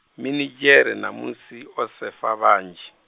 minidzhere mamusi, o sefa vhanzhi.